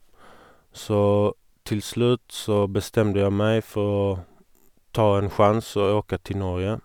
Så til slutt så bestemte jeg meg for å ta en sjanse og åke til Norge.